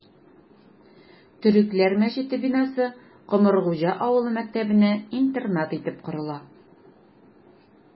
Төрекләр мәчете бинасы Комыргуҗа авылы мәктәбенә интернат итеп корыла...